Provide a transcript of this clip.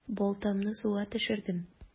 Балтамны суга төшердем.